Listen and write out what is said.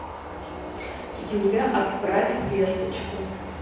юля отправь весточку